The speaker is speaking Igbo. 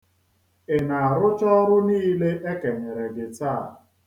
Ị na-arụcha ọrụ niile e kenyere gị taa?